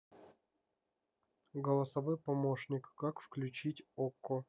голосовой помощник как включить окко